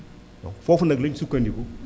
donc foofu nag lañ sukkandiku